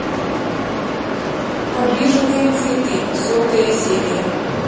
обиженные цветы сотая серия